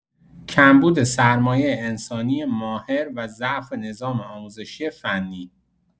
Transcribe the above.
کمبود سرمایه انسانی ماهر و ضعف نظام آموزش فنی